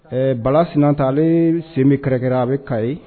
Ɛɛ, bala sinta ale sen bɛ kɛrɛkɛ la, a bɛ Kayi.